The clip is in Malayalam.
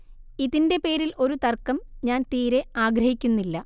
ഇതിന്റെ പേരിൽ ഒരു തർക്കം ഞാൻ തീരെ ആഗ്രഹിക്കുന്നില്ല